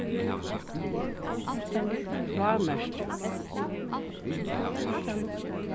frámerkja